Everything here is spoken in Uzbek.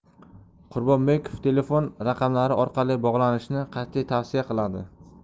qurbonbekov telefon raqamlari orqali bog'lanishni qat'iy tavsiya qiladi